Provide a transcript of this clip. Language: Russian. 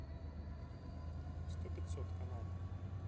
сто пятьсот канал